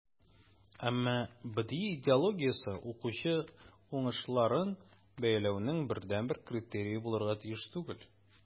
Әмма БДИ идеологиясе укучы уңышларын бәяләүнең бердәнбер критерие булырга тиеш түгел.